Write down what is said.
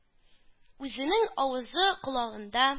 Үзенең авызы колагында.